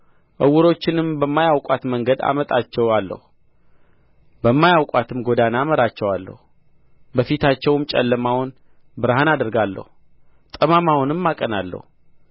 ዕውሮችንም በማያውቋት መንገድ አመጣቸዋለሁ በማያውቋትም ጎዳና እመራቸዋለሁ በፊታቸውም ጨለማውን ብርሃን አደርጋለሁ ጠማማውንም አቀናለሁ